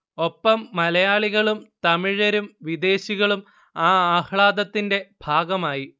ഒപ്പം മലയാളികളും തമിഴരും വിദേശികളും ആ ആഹ്ളാദത്തിന്റെ ഭാഗമായി